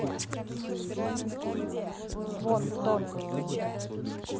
вон тон